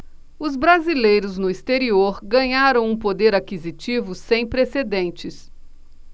os brasileiros no exterior ganharam um poder aquisitivo sem precedentes